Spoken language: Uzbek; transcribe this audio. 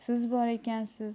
siz bor ekansiz